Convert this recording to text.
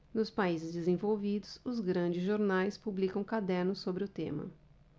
nos países desenvolvidos os grandes jornais publicam cadernos sobre o tema